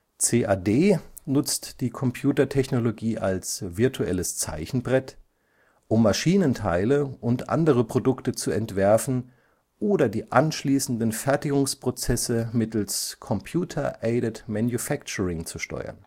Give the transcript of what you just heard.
CAD nutzt die Computertechnologie als „ virtuelles Zeichenbrett “, um Maschinenteile und andere Produkte zu entwerfen oder die anschließenden Fertigungsprozesse mittels Computer-aided manufacturing zu steuern